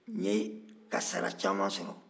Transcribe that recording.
n ye kasara caman sɔrɔ